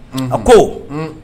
Unhun a koo uun